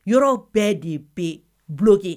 Yɔrɔ bɛɛ de bɛ bolokoki